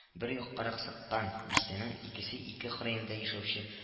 Бер яккарак сыккан, бистәнең икесе ике кырыенда яшәүче